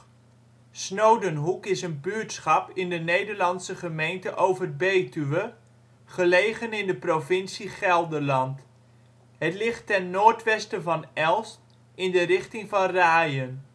Snodenhoek is een buurtschap in de Nederlandse gemeente Overbetuwe, gelegen in de provincie Gelderland. Het ligt ten noordwesten van Elst in de richting van Raayen